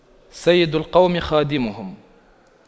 سيد القوم خادمهم